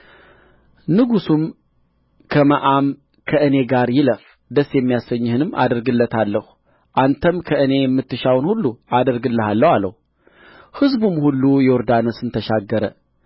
ንጉሡም ከመዓም ከእኔ ጋር ይለፍ ደስ የሚያሰኝህንም አደርግለታለሁ አንተም ከእኔ የምትሻውን ሁሉ አደርግልሃለሁ አለው ሕዝቡም ሁሉ ዮርዳኖስን ተሻገረ